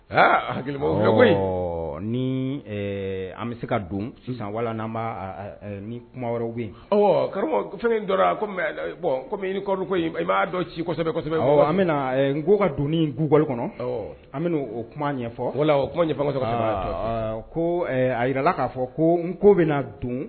Hakili ni an bɛ se ka don sisan wala n'an' ni kuma wɛrɛ bɛ yen ɔ karamɔgɔ fɛn dɔrɔn bɔn kɔmi i i b'a dɔn cisɛbɛsɛbɛ an bɛ n ko ka don dukɔli kɔnɔ an bɛ o kuma ɲɛfɔ wala o kumasɛbɛ ko a jira la k'a fɔ ko n ko bɛna na don